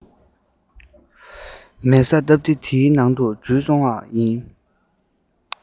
མལ ས སྟབས བདེ དེའི ནང དུ འཛུལ སོང བ ཡིན